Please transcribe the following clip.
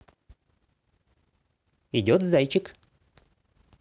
идет зайчик